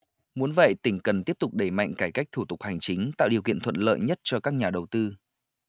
muốn vậy tỉnh cần tiếp tục đẩy mạnh cải cách thủ tục hành chính tạo điều kiện thuận lợi nhất cho các nhà đầu tư